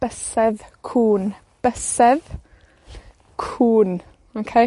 Bysedd cŵn. Bysedd, Cŵn, oce?